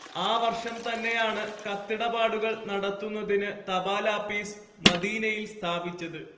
ആ വർഷം തന്നെയാണ് കത്തിടപാടുകൾ നടത്തുന്നതിന് തപാലാപ്പീസ് മദീനയിൽ സ്ഥാപിച്ചത്